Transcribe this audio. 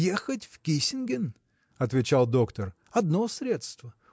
– Ехать в Киссинген, – отвечал доктор, – одно средство.